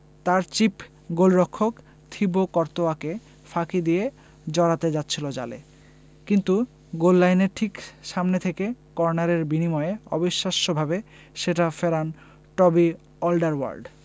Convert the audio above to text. তাঁর চিপ গোলরক্ষক থিবো কর্তোয়াকে ফাঁকি দিয়ে জড়াতে যাচ্ছিল জালে কিন্তু গোললাইনের ঠিক সামনে থেকে কর্নারের বিনিময়ে অবিশ্বাস্যভাবে সেটা ফেরান টবি অলডারওয়ার্ল্ড